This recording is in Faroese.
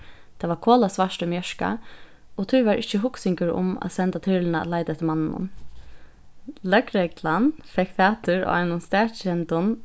tað var kolasvart í mjørka og tí var ikki hugsingur um at senda tyrluna at leita eftir manninum løgreglan fekk fatur á einum staðkendum